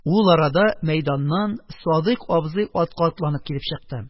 Ул арада мәйданнан Садыйк абзый атка атланып килеп чыкты.